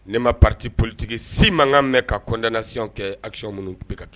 Ne ma pati politigi si mankan kan mɛn ka kɔndnasiɔn kɛ akiyɔn minnu bɛ ka taa